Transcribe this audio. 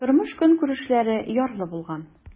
Тормыш-көнкүрешләре ярлы булган.